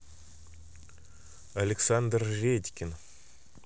александр редькин